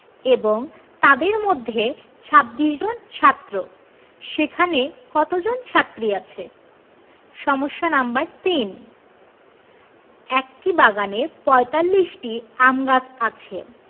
এবং এদের মধ্যে ২৬ জন ছাত্র সেখানে কতজন ছাত্রী আছে ৩ একটি বাগানে ৪৫টি আম গাছ আছে